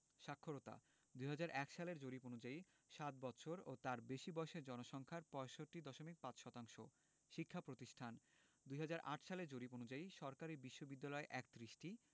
সাক্ষরতাঃ ২০০১ সালের জরিপ অনুযায়ী সাত বৎসর ও তার বেশি বয়সের জনসংখ্যার ৬৫.৫ শতাংশ শিক্ষাপ্রতিষ্ঠানঃ ২০০৮ সালের জরিপ অনুযায়ী সরকারি বিশ্ববিদ্যালয় ৩১টি